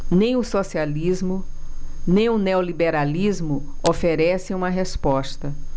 nem o socialismo nem o neoliberalismo oferecem uma resposta